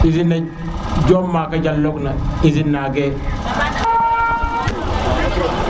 usine diom maaka dial nong na usine na ga